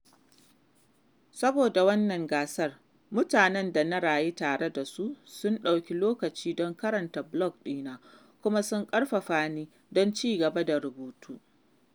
Saboda wannan gasar, mutanen da na rayu tare da su sun ɗauki lokaci don karanta blog ɗina kuma sun ƙarfafa ni don ci gaba da rubutu.